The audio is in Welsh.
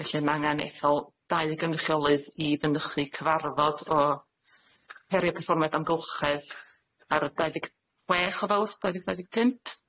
Felly ma' angan ethol dau gynrychiolydd i fynychu cyfarfod o heriau perfformiad amgylchedd ar y dau ddeg chwech o ddau ddeg dau ddeg pump.